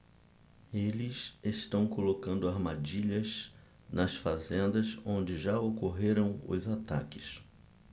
eles estão colocando armadilhas nas fazendas onde já ocorreram os ataques